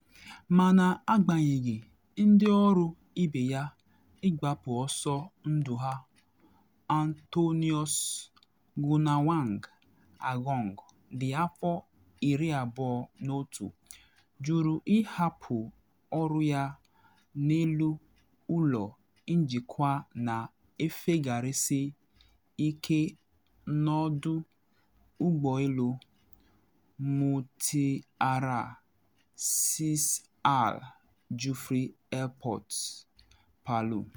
Mana agbanyeghị ndị ọrụ ibe ya ịgbapụ ọsọ ndụ ha, Anthonius Gunawang Agung dị afọ 21 juru ịhapụ ọrụ ya n’elu ụlọ njikwa na efegharịsị ike n’ọdụ ụgbọ elu Mutiara Sis Al Jufri Airport Palu.